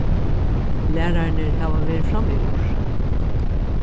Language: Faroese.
lærararnir hava verið framúr